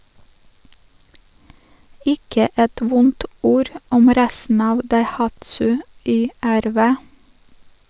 Ikke et vondt ord om resten av Daihatsu YRV.